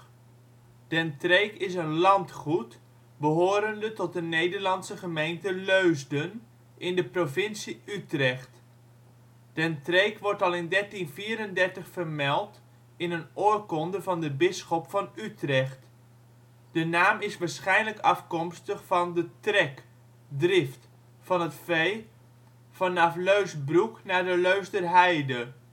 landgoed behorende tot de Nederlandse gemeente Leusden, in de provincie Utrecht. Den Treek wordt al in 1334 vermeld in een oorkonde van de bisschop van Utrecht. De naam is waarschijnlijk afkomstig van van de ' treck ' (drift) van het vee vanaf Leusbroek naar de Leusderheide